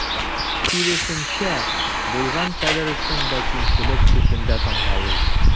Киресенчә, булган кадәресен дә кимчелек төсендә тамгалый.